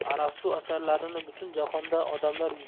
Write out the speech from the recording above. arastu asarlarini butun jahonda odamlar